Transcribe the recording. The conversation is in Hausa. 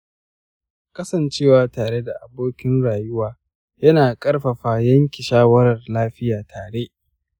kasancewa tare da abokin rayuwa yana ƙarfafa yanke shawarar lafiya tare.